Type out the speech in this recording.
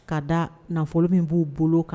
Ka da nafolo min b'u bolo kan